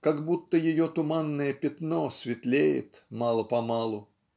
как будто ее туманное пятно светлеет мало-помалу.